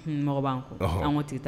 Mɔgɔ b'an ko an ko t tɛ taa